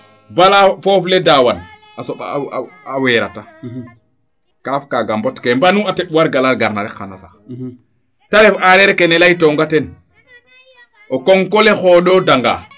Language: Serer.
bala foof le daawan a soɓa a weera ta kaaf kaaga mbot ke mbanu a teɓ wargal a garna rek xana sax te ref areer ke nee leytongao ten o konko le xoondo danga